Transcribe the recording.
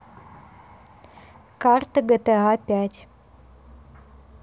карта gta пять